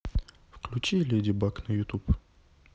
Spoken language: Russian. включи леди баг на ютуб